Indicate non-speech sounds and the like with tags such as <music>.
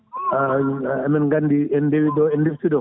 <hesitation> amin gandi en dewiɗo en deftiɗo ɗo